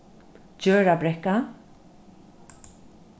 gjørðabrekka